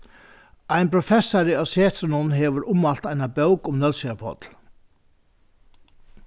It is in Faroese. ein professari á setrinum hevur ummælt eina bók um nólsoyar páll